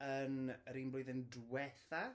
yn yr un blwyddyn diwetha.